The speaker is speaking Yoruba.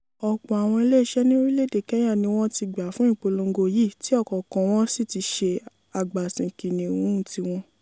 Ọ̀pọ̀ àwọn ilé-iṣẹ́ ní orílẹ̀-èdè Kenya ni wọ́n ti gbà fún ìpolongo yìí tí ọ̀kọ̀ọ̀kan wọ́n sì ti ṣe "àgbàsìn" kìnìún tiwọn.